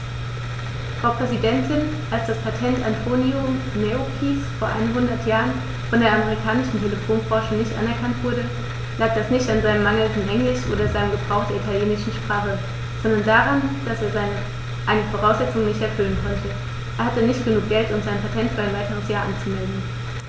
Frau Präsidentin, als das Patent Antonio Meuccis vor einhundert Jahren von der amerikanischen Telefonbranche nicht anerkannt wurde, lag das nicht an seinem mangelnden Englisch oder seinem Gebrauch der italienischen Sprache, sondern daran, dass er eine Voraussetzung nicht erfüllen konnte: Er hatte nicht genug Geld, um sein Patent für ein weiteres Jahr anzumelden.